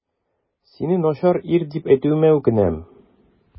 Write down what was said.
Сине начар ир дип әйтүемә үкенәм.